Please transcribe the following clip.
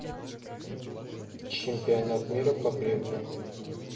чемпионат мира по гребле